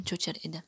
cho'chir edi